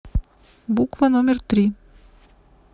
буква номер три